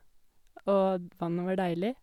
Og d vannet var deilig.